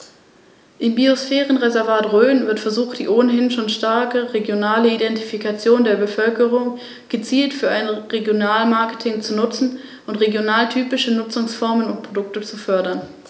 Rom wurde damit zur ‚De-Facto-Vormacht‘ im östlichen Mittelmeerraum.